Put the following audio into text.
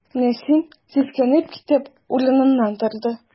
Нәсим, сискәнеп китеп, урыныннан торды.